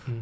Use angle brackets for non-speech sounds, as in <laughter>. <hesitation> <hesitation>